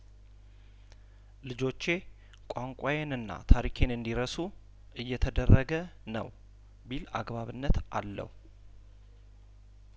ልጆቼ ቋንቋ ዬንና ታሪኬን እንዲ ረሱ እየተደረገ ነው ቢል አግባብነት አለው